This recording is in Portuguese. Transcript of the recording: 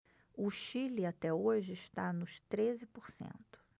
o chile até hoje está nos treze por cento